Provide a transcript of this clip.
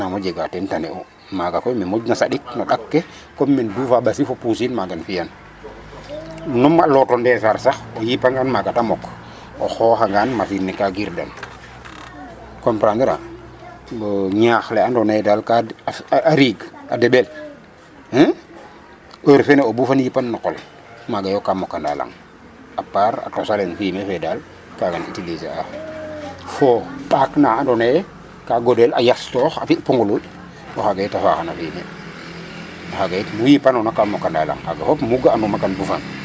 II naam o jega teen tane'u maaga koy me moƴna saɗik no ɗaq ke comme me um duufaa ɓasi fo mboursin maaga um fi'an meme o lot a ɗesaan sax o yipangaan maaga ta mok o xooxangaan machine ne kaa girdan comprendre .Ñaax le andoona yee daal kaa riig a deɓel heure fene o bufin yipan no qol maaga yo ka mokanaa lang à part a tos ale fumier fe daal kaaga um utiliser a fo ɓàak na andoona yee kaa godel a yastoox a fi' puŋuluƴ oxaaga yit a faaxa no fumier oxaaga yit mu yipanoona ka mokanaa lang ke mu ga'anuma kaam bufan.